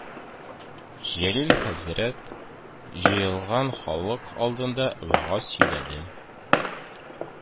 Җәлил хәзрәт җыелган халык алдында вәгазь сөйләде